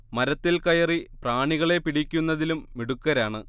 മരത്തിൽ കയറി പ്രാണികളെ പിടിയ്ക്കുന്നതിലും മിടുക്കരാണ്